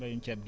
mbéyum ceeb gi